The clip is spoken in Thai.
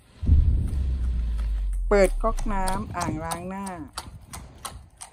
เปิดก็อกน้ำอ่างล้างหน้า